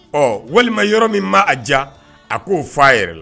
Ɔ walima yɔrɔ min b' a ja a k'o fɔ a yɛrɛ la